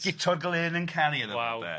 Guto Glyn yn canu i fo de... Waw.